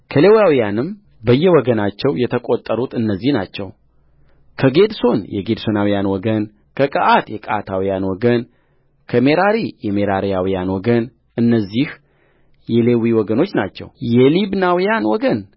ከሌዋውያንም በየወገናቸው የተቈጠሩት እነዚህ ናቸው ከጌድሶን የጌድሶናውያን ወገን ከቀዓት የቀዓታውያን ወገን ከሜራሪ የሜራራውያን ወገንእነዚህ የሌዊ ወገኖች ናቸው የሊብናውያን ወገን